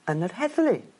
yn yr heddlu.